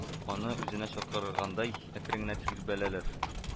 Аны үзенә чакыргандай, әкрен генә тирбәләләр